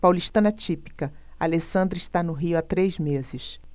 paulistana típica alessandra está no rio há três meses